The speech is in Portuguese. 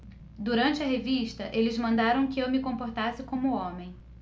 durante a revista eles mandaram que eu me comportasse como homem